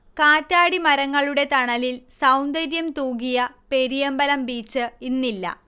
കറ്റാടിമരങ്ങളുടെ തണലിൽ സൗന്ദര്യം തൂകിയ പെരിയമ്പലം ബീച്ച് ഇന്നില്ല